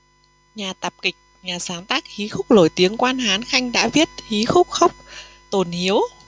nhà tạp kịch nhà sáng tác hí khúc nổi tiếng quan hán khanh đã viết hí khúc khốc tồn hiếu